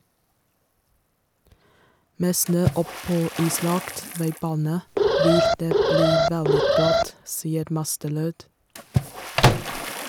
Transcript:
Med snø oppå islagt veibane vil det bli veldig glatt, sier Masterød.